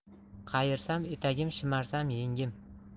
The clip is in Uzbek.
qayirsam etagim shimarsam yengim